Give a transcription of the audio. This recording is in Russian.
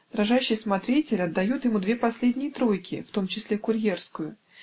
дрожащий смотритель отдает ему две последние тройки, в том числе курьерскую.